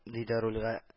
Диде рульга